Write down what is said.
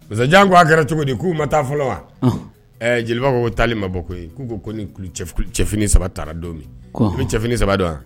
Masajan ko aa kɛra cogo di k'u ma taa fɔlɔ wa jeliba ko taali ma bɔ koyi k'u ko nin cɛfini saba taara don min bɛ cɛfini saba don wa